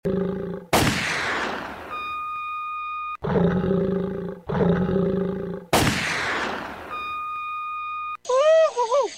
Wa